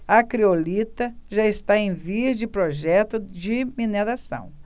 a criolita já está em vias de projeto de mineração